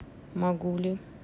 могу ли